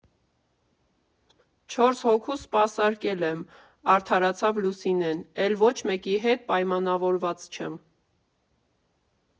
Չորս հոգու սպասարկել եմ, ֊ արդարացավ Լուսինեն, ֊ էլ ոչ մեկի հետ պայմանավորված չեմ։